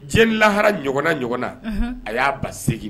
Diɲɛ lahara ɲɔgɔnna ɲɔgɔn na a y'a ba segingin